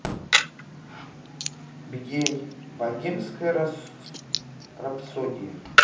queen богемская рапсодия